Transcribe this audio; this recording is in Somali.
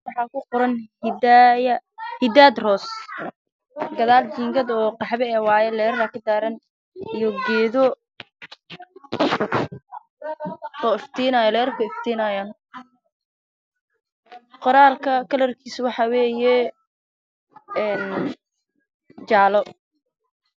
Waa meel ay ku qoran tahay hidaadroos